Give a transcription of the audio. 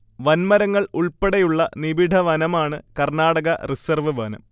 വൻമരങ്ങൾ ഉൾപ്പെടെയുള്ള നിബിഢവനമാണ് കർണാടക റിസർവ് വനം